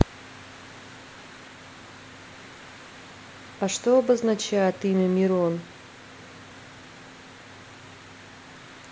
а что обозначает имя мирон